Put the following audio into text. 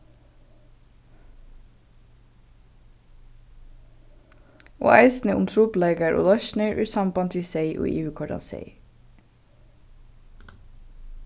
og eisini um trupulleikar og loysnir í sambandi við seyð og yvirkoyrdan seyð